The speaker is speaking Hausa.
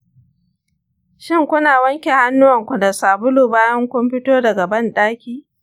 shin kuna wanke hannuwanku da sabulu bayan kun fito daga bandaki?